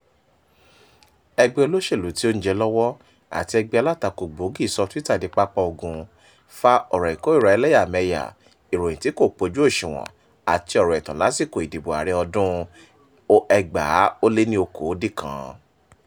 Ẹgbẹ́ olóṣèlúu tí ó ń jẹ lọ́wọ́ àti ẹgbẹ́ alátakò gbòógì sọ Twitter di pápá ogun fa ọ̀rọ̀ ìkórìíra ẹlẹ́yàmẹ́lẹ́yá, ìròyìn tí kò pójú òṣùwọ̀n àti ọ̀rọ̀ ẹ̀tàn lásìkò ìdìbò ààrẹ ọdún-un 2019.